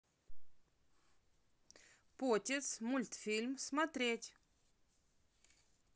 потец мультфильм смотреть